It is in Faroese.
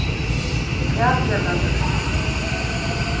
hvat hevur hann gjørt nú